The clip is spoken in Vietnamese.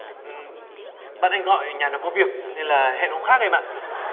ừ bạn anh gọi nhà nó có việc nên là hẹn hôm khác em ạ